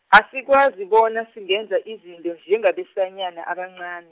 asikwazi bona singenza izinto njengabesanyana abancani.